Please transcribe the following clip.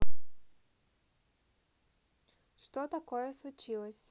что такое случилось